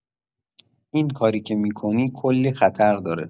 این کاری که می‌کنی، کلی خطر داره!